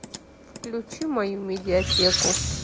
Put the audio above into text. включи мою медиатеку